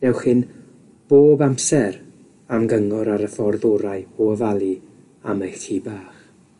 Newch hyn bob amser am gyngor ar y ffordd orau o ofalu am eich ci bach.